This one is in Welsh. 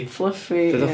Fluffy ia.